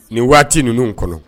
Nin waati ninnu kɔnɔ